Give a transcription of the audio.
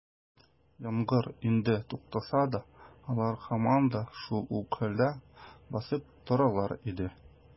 Яңгыр инде туктаса да, алар һаман да шул ук хәлдә басып торалар иде.